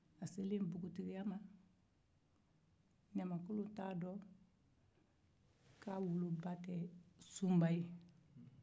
ɲamankolon sera npogotigiya ma k'a sɔrɔ a t'a dɔn k'a woloba tɛ sunba ye